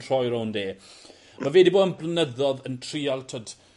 troi rownd e. Ma' fe 'di bo' yn blynyddodd yn trial t'wod